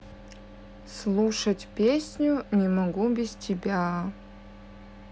слушать песню не могу без тебя